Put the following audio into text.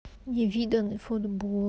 невиданный футбол